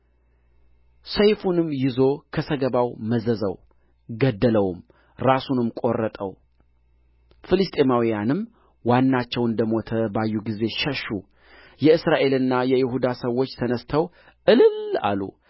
ሰይፉንም ይዞ ከሰገባው መዘዘው ገደለውም ራሱንም ቈረጠው ፍልስጥኤማውያንም ዋናቸው እንደ ሞተ ባዩ ጊዜ ሸሹ የእስራኤልና የይሁዳ ሰዎች ተነሥተው እልል አሉ